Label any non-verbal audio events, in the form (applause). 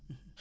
(hesitation) (hesitation)